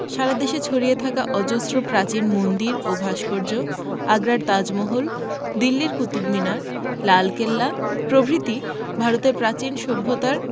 সারা দেশে ছড়িয়ে থাকা অজস্র প্রাচীন মন্দির ও ভাস্কর্য আগ্রার তাজমহল দিল্লির কুতুব মিনার লালকেল্লা প্রভৃতি ভারতের প্রাচীন সভ্যতার